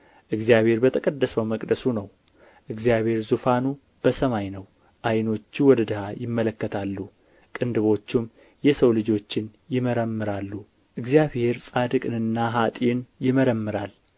እግዚአብሔር በተቀደሰው መቅደሱ ነው እግዚአብሔር ዙፋኑ በሰማይ ነው ዓይኖቹ ወደ ድሃ ይመለከታሉ ቅንድቦቹም የሰው ልጆችን ይመረምራሉ እግዚአብሔር ጻድቅንና ኅጥእን ይመረምራል